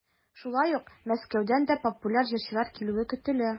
Шулай ук Мәскәүдән дә популяр җырчылар килүе көтелә.